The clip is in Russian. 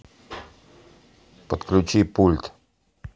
подключи пульт